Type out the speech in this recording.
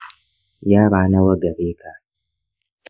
yara nawa gareka?